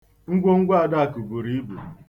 Ngwongwo Adakụ buru ibu.